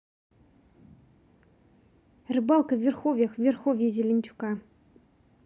рыбалка в верховьях в верховье зеленчука